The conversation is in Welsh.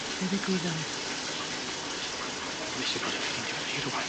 Be' ddigwyddodd? Fe ddim isie bod yn ffrind efo fi rŵan.